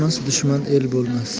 dushman el bo'lmas